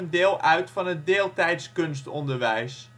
deel uit van het deeltijds kunstonderwijs